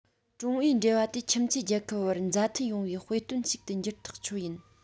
ཀྲུང ཨུའི འབྲེལ བ དེ ཁྱིམ མཚེས རྒྱལ ཁབ བར མཛའ མཐུན ཡོང བའི དཔེ སྟོན ཞིག ཏུ འགྱུར ཐག ཆོད ཡིན